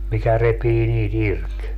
mikä repii niitä irti